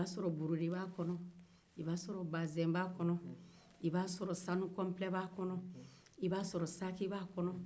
i b' a sɔrɔ borode b'a kɔnɔ i b'a sɔrɔ sanu kɔpilɛ b'a kɔnɔ i b'a sɔrɔ bazɛn b'a kɔnɔ i b'a sɔrɔ sac b'a kɔnɔ